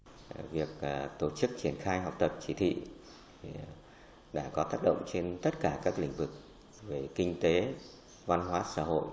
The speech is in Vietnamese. việc a tổ chức triển khai học tập chỉ thị đã có tác động trên tất cả các lĩnh vực về kinh tế văn hóa xã hội